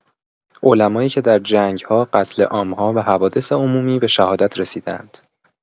علمایی که در جنگ‌ها، قتل عام‌ها و حوادث عمومی به شهادت رسیده‌اند